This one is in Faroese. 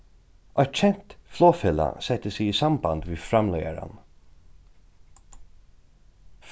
eitt kent flogfelag setti seg í samband við framleiðaran